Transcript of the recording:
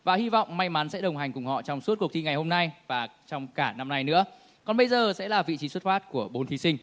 và hy vọng may mắn sẽ đồng hành cùng họ trong suốt cuộc thi ngày hôm nay và trong cả năm nay nữa còn bây giờ sẽ là vị trí xuất phát của bốn thí sinh